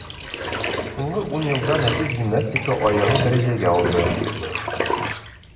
Соңгы ун елда нәфис гимнастика аерым дәрәҗәгә алды.